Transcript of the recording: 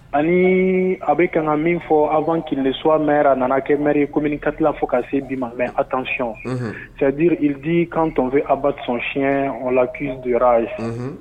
Ani a bɛ ka min fɔ awbanan kile sume a nana kɛ mri ye kɔmimini ka tila fo ka se bi ma mɛ aw tancyɔn cɛdidi kantotɔnfɛ awbasoncyɛn o la ki don a ye